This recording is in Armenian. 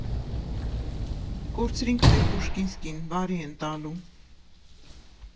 Կորցրինք մեր Պուշկինսկին, վարի են տալու։